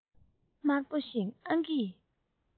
དམར པོ བཞིན ཨང ཀིས